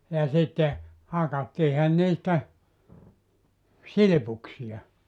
ja sitten hakattiinhan niistä silpuksia